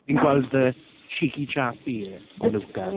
Ni’n gweld the cheeky chappy o Luca.